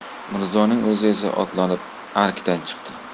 mirzoning o'zi esa otlanib arkdan chiqdi